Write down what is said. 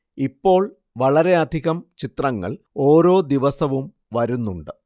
ഇപ്പോൾ വളരെയധികം ചിത്രങ്ങൾ ഓരോ ദിവസവും വരുന്നുണ്ട്